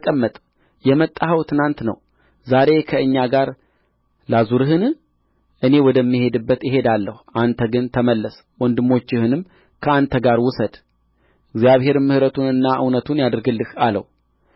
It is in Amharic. ተቀመጥ የመጣኸው ትናንት ነው ዛሬ ከእኛ ጋር ላዙርህን እኔ ወደምሄድበት እሄዳለሁ አንተ ግን ተመለስ ወንድሞችህንም ከአንተ ጋር ውሰድ እግዚአብሔርም ምሕረቱንና እውነቱን ያድርግልህ አለው